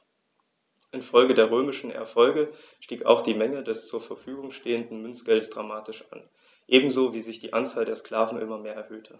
Infolge der römischen Erfolge stieg auch die Menge des zur Verfügung stehenden Münzgeldes dramatisch an, ebenso wie sich die Anzahl der Sklaven immer mehr erhöhte.